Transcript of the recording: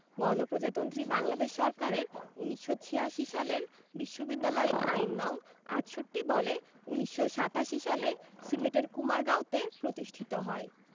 গণপ্রজাতন্ত্রী বাংলাদেশ সরকারের ১৯৮৬ সালের বিশ্ববিদ্যালয় আইন নং ৬৮ বলে ১৯৮৭ সালে সিলেটের কুমারগাঁওতে প্রতিষ্ঠিত হয়